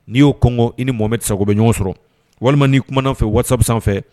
N'i y'o kɔngɔ? i ni Mohamɛdi Sakɔ bɛ ɲɔgɔn sɔrɔ walima n'i kuma an fɛ whatsApp _ sanfɛ